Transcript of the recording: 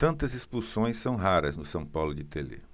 tantas expulsões são raras no são paulo de telê